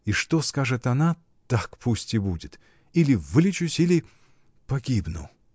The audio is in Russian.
и что скажет она — так пусть и будет! Или вылечусь, или. погибну!